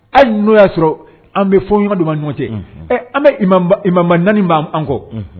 Hali n'u y'a sɔrɔ an bɛ fɔnɲɔgɔnkɔ dɔ b'an ni ɲɔgɔn cɛ an bɛ imamu ba 4 min b'an kɔ.